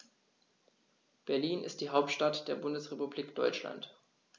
Berlin ist die Hauptstadt der Bundesrepublik Deutschland.